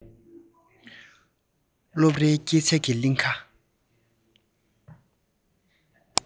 སློབ རའི སྐྱེད ཚལ གྱི གླིང ག